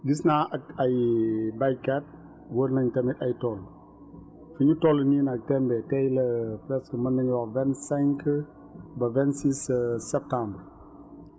gis naa ak ay baykat wër nañ tamit ay tool fi ñu toll nii nag tembe tay la presque mën nañu wax vingt cinq ba vingt six septembre